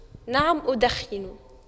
نعم أدخن